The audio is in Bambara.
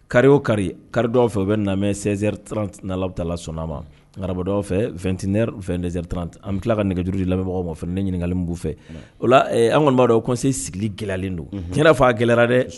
Kari o kari, karidonyaw fɛ u bɛ nin lamɛn 16 heures 30 n'Alahutaala sɔnna ma, arabadonyaw fɛ 21 heures 22 heures 30 an bɛ tila ka nɛgɛjuru di lamɛnbagaw ma ni ɲininkali min b'u fɛ, o la an kɔni b'a dɔn haut conseil sigili gɛlɛyalen don, tiɲɛna a fɔ a gɛlɛyara dɛ